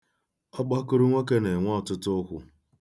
Ọgbakụrụnwokē na-enwe ọtụtụ ụkwụ.